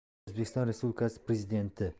o'zbekiston respublikasi prezidenti